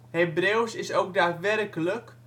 Hebreeuws is ook daadwerkelijk